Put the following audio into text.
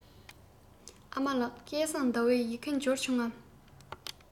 ཨ མ ལགས སྐལ བཟང ཟླ བའི ཡི གེ འབྱོར བྱུང ངམ